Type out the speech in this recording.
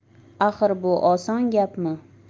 axir bu oson gapmi